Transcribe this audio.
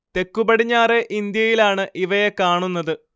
തെക്കു പടിഞ്ഞാറെ ഇന്ത്യയിലാണ് ഇവയെ കാണുന്നത്